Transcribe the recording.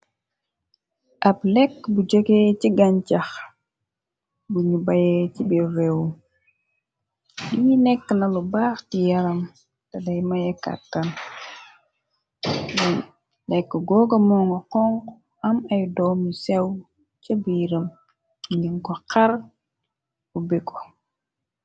Ab lekke bu jogee ci gancax buñu baye ci birr rew mi nekk na lu baax ti yaram te day mayekàttan du lekk googa monga xonku am ay doomu sew ca biiram ngin ko xar ubiko .